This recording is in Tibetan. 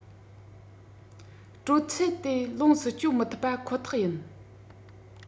དྲོད ཚད དེ ལོངས སུ སྤྱོད མི ཐུབ པ ཁོ ཐག ཡིན